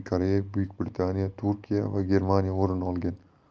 koreya buyuk britaniya turkiya va germaniya o'rin olgan